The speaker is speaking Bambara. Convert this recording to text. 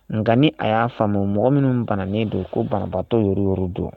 Nka ni a y'a faamu mɔgɔ minnu bannen don ko banbaatɔ yy don